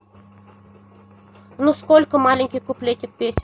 ну сколько маленький куплетик песенку